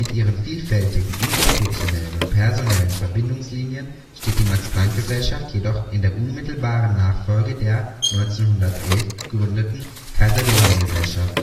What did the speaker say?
ihren vielfältigen institutionellen und personellen Verbindungslinien steht die Max-Planck-Gesellschaft jedoch in der unmittelbaren Nachfolge der 1911 gegründeten Kaiser-Wilhelm-Gesellschaft